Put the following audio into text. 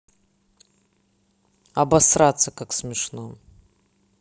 обосраться как смешно